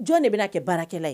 Jɔn de bɛna kɛ baarakɛla ye.